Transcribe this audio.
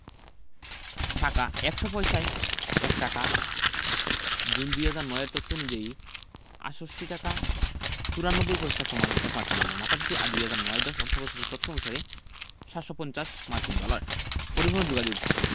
টাকা ১০০ পয়সায় ১ টাকা জুন ২০০৯ এর তথ্য অনুযায়ী ৬৮ টাকা ৯৪ পয়সা = ১ মার্কিন ডলার মাথাপিছু আয়ঃ ২০০৯ ১০ অর্থবছরের তথ্য অনুসারে ৭৫০ মার্কিন ডলার পরিবহণ ও যোগাযোগঃ